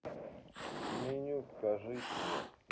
меню покажите мне